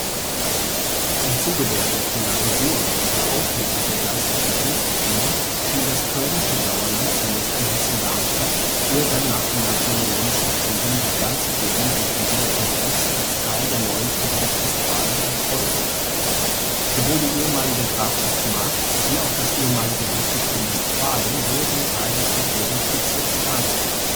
Im Zuge der Säkularisierung und der Aufhebung der geistlichen Fürstentümer fiel das kölnische Sauerland zunächst an Hessen-Darmstadt, ehe dann nach den Napoleonischen Kriegen die ganze Gegend durch den Wiener Kongress als Teil der neuen Provinz Westfalen an Preußen kam. Sowohl die ehemalige Grafschaft Mark wie auch das ehemalige Herzogtum Westfalen wurden Teil des Regierungsbezirks Arnsberg